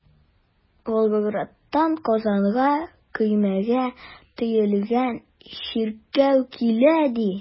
Волгоградтан Казанга көймәгә төялгән чиркәү килә, ди.